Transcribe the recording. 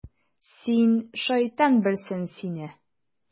Син, шайтан белсен сине...